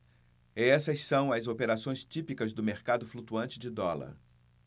essas são as operações típicas do mercado flutuante de dólar